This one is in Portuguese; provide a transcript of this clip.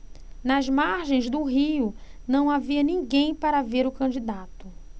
nas margens do rio não havia ninguém para ver o candidato